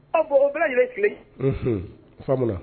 Aw bon u bila lajɛlen tile faamu